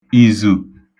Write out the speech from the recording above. ìzù